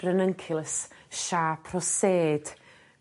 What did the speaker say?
Ranunculus siâp rhosed.